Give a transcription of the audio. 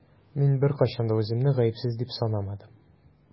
Мин беркайчан да үземне гаепсез дип санамадым.